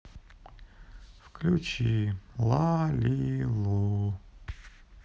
включи лалилу